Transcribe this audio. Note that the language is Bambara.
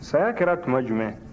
saya kɛra tuma jumɛn